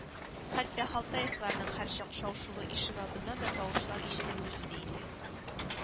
Хәтта халтаевларның һәрчак шау-шулы ишегалдыннан да тавышлар ишетелми иде инде